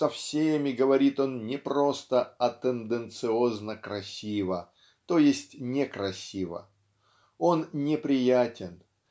со всеми говорит он не просто а тенденциозно-красиво т. е. красиво. Он неприятен.